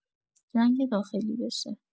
جنگ داخلی بشه.